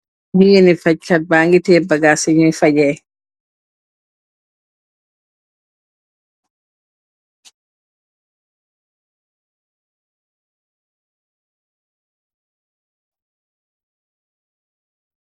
Gigeen ni fajj kat ba'ngi teyeh bagaas yi ñoy fajj eh.